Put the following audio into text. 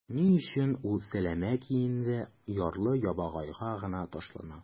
Ни өчен ул сәләмә киемле ярлы-ябагайга гына ташлана?